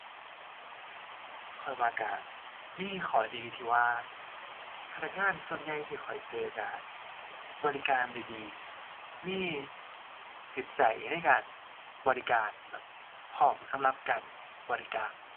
ข้อยว่าก็ มีข้อดีที่ว่า พนักงานส่วนใหญ่ที่ข้อยเจอก็ บริการได้ดี มี จิตใจในการ บริการแบบ พร้อมสำหรับการบริการ